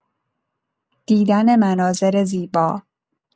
دیدن مناظر زیبا